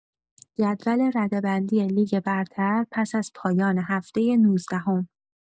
جدول رده‌بندی لیگ برتر پس‌از پایان هفته نوزدهم